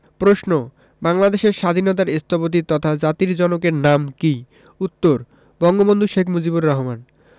প্রশ্ন বাংলাদেশের স্বাধীনতার স্থপতি তথা জাতির জনকের নাম কী উত্তর বঙ্গবন্ধু শেখ মুজিবুর রহমান